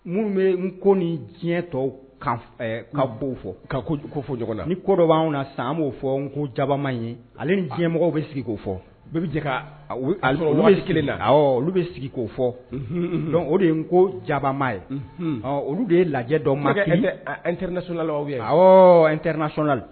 Minnu bɛ n ko ni diɲɛ tɔw kao fɔ ka fɔ jɔ la ni ko dɔ b'aw na san b'o fɔ n ko jama in ye ale diɲɛmɔgɔw bɛ sigi k'o fɔ bɛɛ bɛ jɛ ka kelen la olu bɛ sigi k'o fɔ dɔn o de ye n ko jama ye olu de ye lajɛ dɔ mar sola ntr sola la